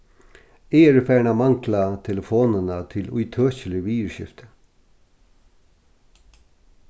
eg eri farin at mangla telefonina til ítøkilig viðurskifti